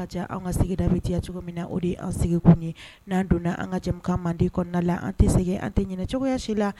Ka ca anw ŋa sigida be diya cogomin na o de ye an sigikun ye n'an donna an ŋa jɛmukan mandi kɔɔna la an te sɛgɛ an te ɲinɛ cogoya si la